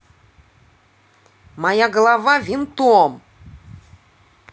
моя голова винтом